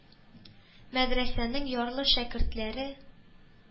Мәдрәсәнең ярлы шәкертләре